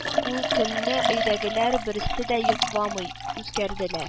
Ул көнне өйдәгеләр берсе дә йокламый үткәрделәр